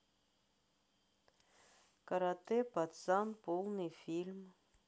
каратэ пацан полный фильм